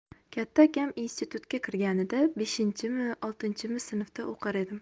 katta akam institutga kirganida beshinchimi oltinchimi sinfda o'qir edim